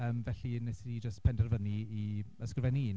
yym felly wnes i jyst penderfynu i ysgrifennu un.